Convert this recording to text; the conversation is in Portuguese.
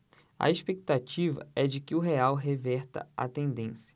a expectativa é de que o real reverta a tendência